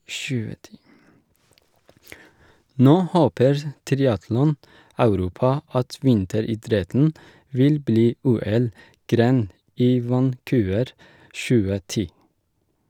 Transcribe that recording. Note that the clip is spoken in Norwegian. Nå håper triatlon-Europa at vinteridretten vil bli OL-gren i Vancouver 2010.